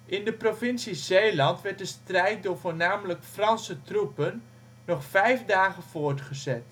In de provincie Zeeland werd de strijd door voornamelijk Franse troepen nog vijf dagen voortgezet